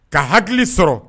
Ka hakili sɔrɔ.